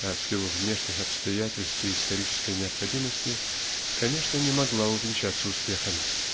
а в силу внешних обстоятельств и исторической необходимости конечно не могла увенчаться успехом.